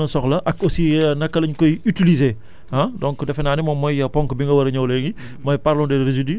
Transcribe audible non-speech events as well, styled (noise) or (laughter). di gën a gën a gën a gën a soxla ak aussi (hesitation) naka lañ koy utiliser ah donc defe naa ne moom mooy ponk bi nga war a ñëw léegi